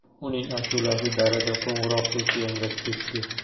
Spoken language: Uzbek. uning ashulasi darada qo'ng'iroqdek yangrab ketdi